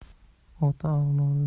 ota avlodida bo'lsa o'g'ilgami